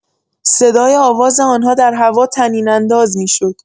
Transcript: صدای آواز آنها در هوا طنین‌انداز می‌شد.